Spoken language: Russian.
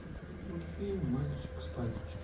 мультфильм мальчик с пальчик